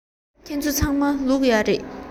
ཁྱེད ཚོ ཚང མར ལུག ཡོད རེད